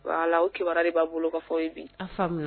O kiba de b'a bolo ka fɔ ye bi an faamuya